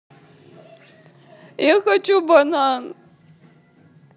я хочу банан